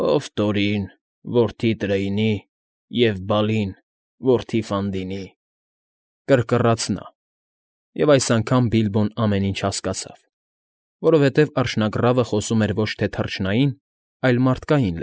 Ով Տորին, որդի Տրեյնի, և Բալին, որդի Ֆանդիի,֊ կռկռաց նա, և այս անգամ Բիլբոն ամեն ինչ հասկացավ, որովետև արջնագռավը խոսում էր ոչ թե թռչնային, այլ մարդկային։